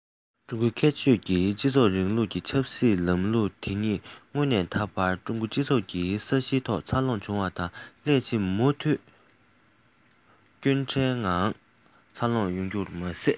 ཀྲུང གོའི ཁྱད ཆོས ཀྱི སྤྱི ཚོགས རིང ལུགས ཀྱི ཆབ སྲིད ལམ ལུགས དེ ཉིད སྔོན ནས ད བར ཀྲུང གོའི སྤྱི ཚོགས ཀྱི ས གཞིའི ཐོག འཚར ལོངས བྱུང བ དང སླད ཕྱིན མུ མཐུད སྐྱོན བྲལ ངང འཚར ལོངས ཡོང རྒྱུ མ ཟད